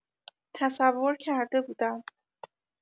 تصور کرده بودم.